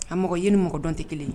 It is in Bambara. A mɔgɔɲini ni mɔgɔ dɔn tɛ kelen